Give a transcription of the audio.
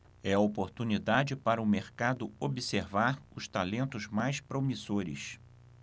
é a oportunidade para o mercado observar os talentos mais promissores